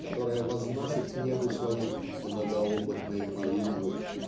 которая возносит к небу свои "многоопытные молитвы"